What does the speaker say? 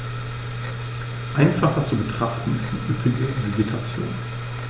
Einfacher zu betrachten ist die üppige Vegetation.